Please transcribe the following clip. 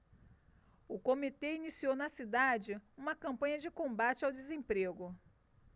o comitê iniciou na cidade uma campanha de combate ao desemprego